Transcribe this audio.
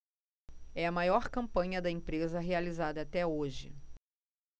é a maior campanha da empresa realizada até hoje